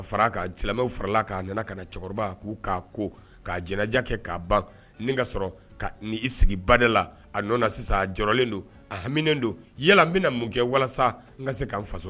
Fara kaw farala k'a nana ka cɛkɔrɔba k'u k'a ko' jɛnɛja kɛ kaa ban ka sɔrɔ ka i sigibada la a sisan jɔlen don a hamiinien don yɛlɛ n bɛna mun kɛ walasa an ka se k'an faso